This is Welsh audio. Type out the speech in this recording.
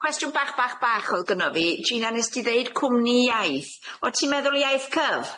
Cwestiwn bach bach bach o'dd gynno fi, Gina nest ti ddeud cwmni iaith o' ti'n meddwl iaith cyf?